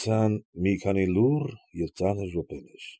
Անցան մի քանի լուռ և ծանր րոպեներ։